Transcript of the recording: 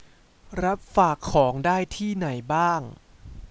รับฝากของได้ที่ไหนบ้าง